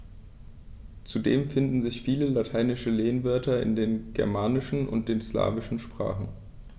Zudem finden sich viele lateinische Lehnwörter in den germanischen und den slawischen Sprachen.